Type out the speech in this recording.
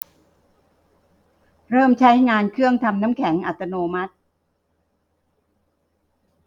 เริ่มใช้งานเครื่องทำน้ำแข็งอัตโนมัติ